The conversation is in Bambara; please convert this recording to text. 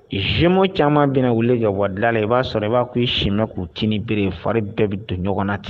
Zmo caman bɛna wele kɛ wada i b'a sɔrɔ i b'a k ii simɛ k'u tiinin bereere fari bɛɛ bɛ don ɲɔgɔn na ten